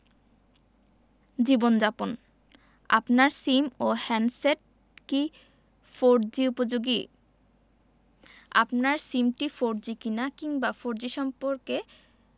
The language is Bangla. জীবনযাপন আপনার সিম ও হ্যান্ডসেট কি ফোরজি উপযোগী আপনার সিমটি ফোরজি কিনা কিংবা ফোরজি সম্পর্কে